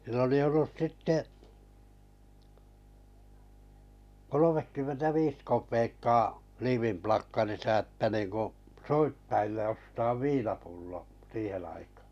sillä oli ollut sitten kolmekymmentä viisi kopeekkaa liivinplakkarissa että niin kuin soittajille ostaa viinapullo siihen aikaan